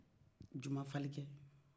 juma falikɛ